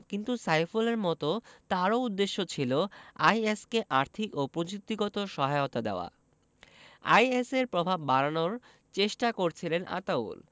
কিন্তু সাইফুলের মতো তারও উদ্দেশ্য ছিল আইএস কে আর্থিক ও প্রযুক্তিগত সহায়তা দেওয়া আইএসের প্রভাব বাড়ানোর চেষ্টা করছিলেন আতাউল